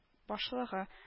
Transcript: Башлыгы